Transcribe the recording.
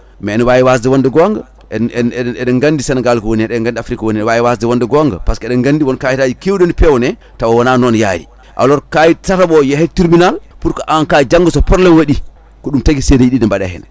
mais ne wawi wasde wonde gonga en en eɗen gandi Sénégal kowoni hen eɗen gandi Afrique ko woni hen ne wawi wasde wonde gonga par ce que eɗen gandi won kayitaji kewɗi ene pewne tawa wona noon yaari alors kayit tataɓo o yeehe tribunal pour que en cas janggo so probléme waɗi ko ɗum tagui seedeji ɗi ne mbaɗe hen